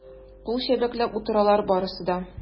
Кул чәбәкләп утыралар барысы да.